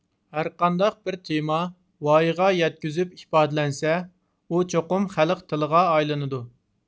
ھەرقانداق بىر تېما ۋايىگە يەتكۈزۈپ ئىپادىلەنسە ئۇ چوقۇم خەلق تىلىغا ئايلىنىدۇ